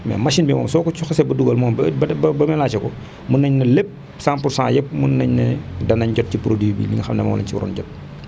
mais machine bi moom soo ko xasee ba dugal moom ba de ba mélangé ko mun nañu ne lépp 100 pour 100 yépp mun nañ ne danañ jot ci produit bi li nga xam ne moom la ñu si warron jot